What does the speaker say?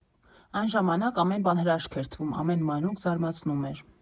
Այն ժամանակ ամեն բան հրաշք էր թվում, ամեն մանրուք զարմացնում էր։